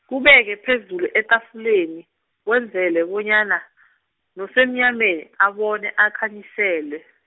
kubeke phezulu etafuleni, wenzelele bonyana, nosemnyameni abone akhanyiselwe.